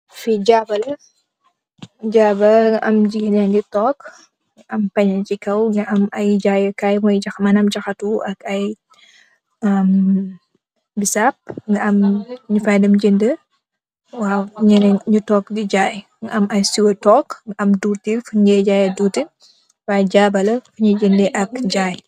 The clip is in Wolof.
Fii jabba la, nga am jigéen yaa ngi toog, nga am pénné ci kow, nga am ay jaayee kaay, manaam jaxatu, ak ay bisaap, nga am ñu fay dem jëndi, waaw. Ñenen ñu toog di jaay, nga am siwoo toog, nga am diwtiir, fuñg dee jaayee diwtiir, waay jaabala, fuñg dee jëndë di jaay.